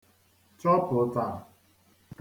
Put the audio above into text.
chọpùtà